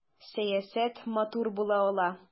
Сәясәт матур була ала!